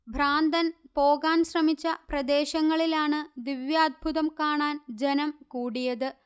ഭ്രാന്തൻ പോകാൻശ്രമിച്ച പ്രദേശങ്ങളിലാണ് ദിവ്യാത്ഭുതം കാണാൻ ജനം കൂടിയത്